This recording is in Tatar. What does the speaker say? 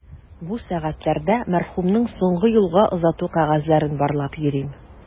Бу сәгатьләрдә мәрхүмнең соңгы юлга озату кәгазьләрен барлап йөрим.